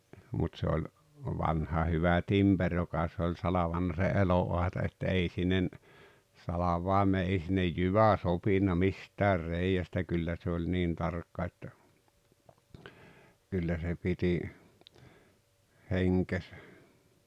mutta se oli vanha hyvä timperi joka sen oli salvannut sen eloaitan että ei sinne - salvaimeen ei sinne jyvä sopinut mistään reiästä kyllä se oli niin tarkka että kyllä se piti henkensä